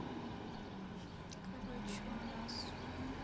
короче у нас